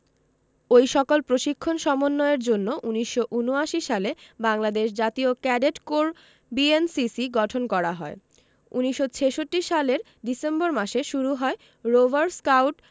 ওই সকল প্রশিক্ষণ সমন্বয়ের জন্য ১৯৭৯ সালে বাংলাদেশ জাতীয় ক্যাডেট কোর বিএনসিসি গঠন করা হয় ১৯৬৬ সালের ডিসেম্বর মাসে শুরু হয় রোভার স্কাউট